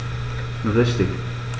Richtig